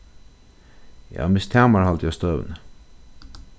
eg havi mist tamarhaldið á støðuni